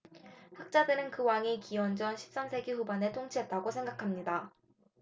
학자들은 그 왕이 기원전 십 삼 세기 후반에 통치했다고 생각합니다